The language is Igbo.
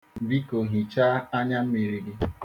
Biko hichaa anyammiri gị.